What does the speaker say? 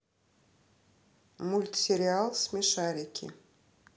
мультсериал смешарики